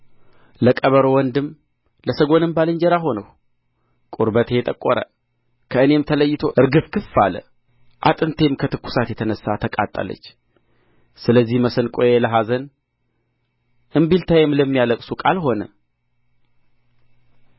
ለቀበሮ ወንድም ለሰጐንም ባልንጀራ ሆንሁ ቁርበቴ ጠቈረ ከእኔም ተለይቶ እርግፍግፍ አለ አጥንቴም ከትኵሳት የተነሣ ተቃጠለች ስለዚህ መሰንቆዬ ለኀዘን እምቢልታዬም ለሚያለቅሱ ቃል ሆነ